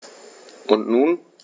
Und nun?